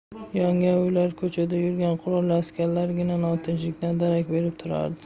yongan uylar ko'chada yurgan qurolli askarlargina notinchlikdan darak berib turardi